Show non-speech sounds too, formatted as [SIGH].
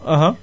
[HESITATION] [HESITATION]